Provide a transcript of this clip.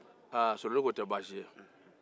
solonin k'o te baasi ye